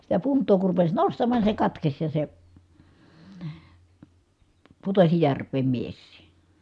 sitä puntaa kun rupesi nostamaan niin se katkesi ja se putosi järveen mieskin